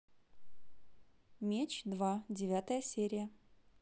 меч два девятая серия